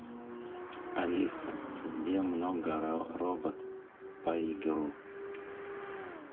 алиса где много работ по игру